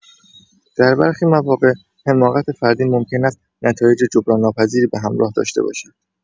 در برخی مواقع، حماقت فردی ممکن است نتایج جبران‌ناپذیری به همراه داشته باشد.